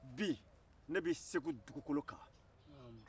ne be segu dugukolo kan